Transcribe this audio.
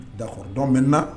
D'accord . Donc maintenant